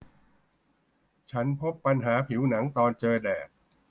ฉันพบปัญหาผิวหนังตอนเจอแดด